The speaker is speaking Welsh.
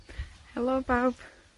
Helo bawb.